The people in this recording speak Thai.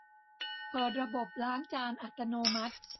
เปิดระบบล้างจานอัตโนมัติ